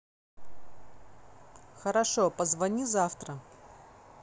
хорошо позвони завтра